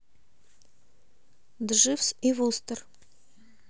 дживс и вустер